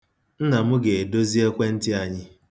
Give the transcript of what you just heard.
Nna m ga-edozi ekwentị anyị.